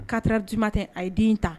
Kataraji tɛ a ye den ta